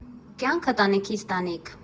Կյանքը տանիքից տանիք։